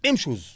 une chose